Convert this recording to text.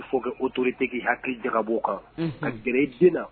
N fɔ k ka otooro tigi hakili jabo kan a gɛrɛ dina